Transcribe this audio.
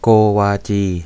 โกวาจี